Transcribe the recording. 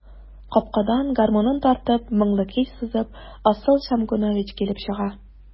Капкадан, гармунын тартып, моңлы көй сызып, Асыл Шәмгунович килеп чыга.